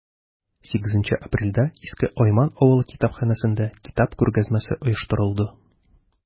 8 апрельдә иске айман авыл китапханәсендә китап күргәзмәсе оештырылды.